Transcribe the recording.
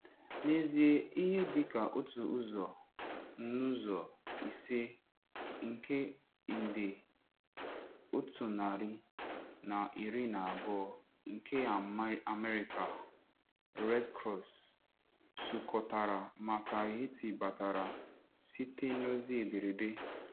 N'ezie, ihe dịka otu ụzọ n'ụzọ ise nke nde $112 nke American Red Cross tụkọtara maka Haiti batara site n'ozi ederede.